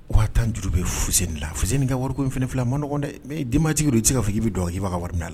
Wa 10 juru bɛ Fuseni na Fuseni dun ka wari ko in filɛ a man nɔgɔn dɛ mais denbayatigi i dun tɛ se ka fɔ i bɛ don k'i b'a ka wari min'ala.